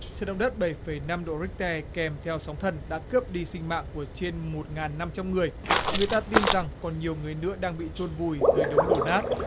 trận động đất bảy phẩy năm độ rích te kèm theo sóng thần đã cướp đi sinh mạng của trên một ngàn năm trăm người người ta tin rằng còn nhiều người nữa đang bị chôn vùi dưới đống đổ nát